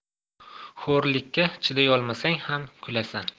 xo'rlikka chidayolmasang xam kulasan